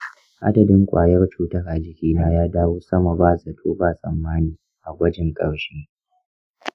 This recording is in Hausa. adadin ƙwayar cutar a jikina ya dawo sama ba zato ba tsammani a gwajin ƙarshe.